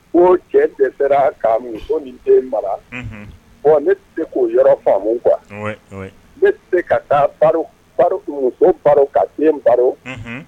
Ko cɛ dɛsɛra k'a muso ni den mara , unhun, bɔn ne tɛ se k'o yɔrɔ faamu quoi, oui, oui ne tɛ se ka taa ko ka den baro ka muso baro.